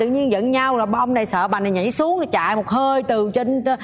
tự nhiên giận nhau rồi bom này sợ bà này nhảy xuống chạy một hơi từ trên trên